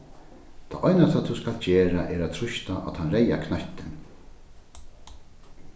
tað einasta tú skalt gera er at trýsta á tann reyða knøttin